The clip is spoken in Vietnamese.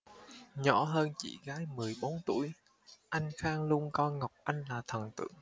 nhỏ hơn chị gái mười bốn tuổi anh khang luôn coi ngọc anh là thần tượng